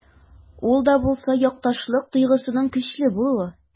Ул да булса— якташлык тойгысының көчле булуы.